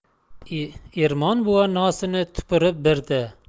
ermon buva nosini tupurib birdi